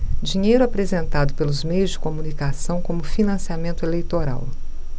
dinheiro apresentado pelos meios de comunicação como financiamento eleitoral